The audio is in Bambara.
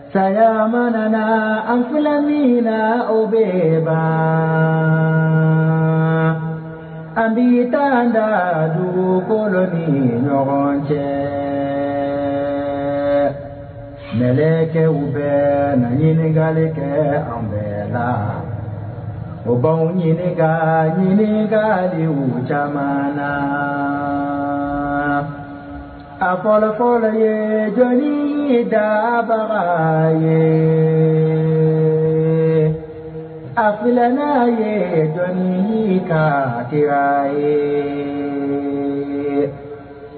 Saba la an fana min na o bɛ ba an bɛi taa da dugukolo ni ɲɔgɔn cɛ kɛlɛkɛ u bɛ na ɲininkakale kɛ an bɛɛ la o b' ɲininka ka ɲininkaka caman la a fɔlɔfɔlɔ ye dɔɔnin daba ye a filɛna ye dɔɔnin ka tile ye